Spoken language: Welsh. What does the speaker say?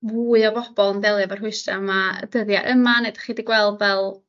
fwy o bobol yn delio efo rhwystra yma y dyddie yma ne' 'dych chi 'di gweld fel